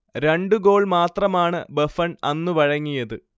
രണ്ട് ഗോൾ മാത്രമാണ് ബഫൺ അന്ന് വഴങ്ങിയത്